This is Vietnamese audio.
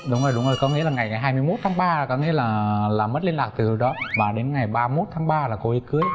đúng rồi đúng rồi có nghĩa là ngày hai mươi mốt tháng ba là có nghĩa là làm mất liên lạc từ đó và đến ngày ba mốt tháng ba là cô ý cưới